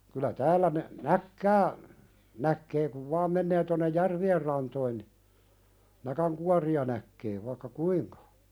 kyllä täällä ne näkkiä näkee kun vain menee tuonne järvien rantoihin niin näkinkuoria näkee vaikka kuinka